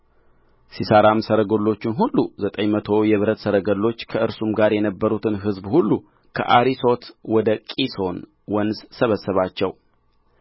ሲሣራም ሰረገሎቹን ሁሉ ዘጠኝ መቶ የብረት ሰረገሎች ከእርሱም ጋር የነበሩትን ሕዝቡን ሁሉ ከአሪሶት ወደ ቂሶን ወንዝ ሰበሰባቸው